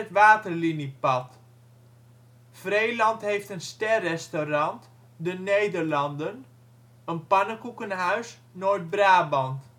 Waterliniepad. Vreeland heeft een ster-restaurant " De Nederlanden ", een pannenkoekenhuis " Noord-Brabant